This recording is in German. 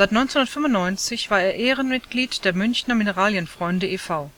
1995 war er Ehrenmitglied der Münchener Mineralienfreunde e. V.